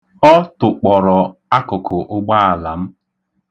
Ọ tụkpọrọ akụkụ ụgbaala m.